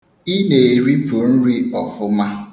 Ị na-eripụ nri ọfụma.